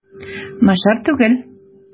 Начар түгел.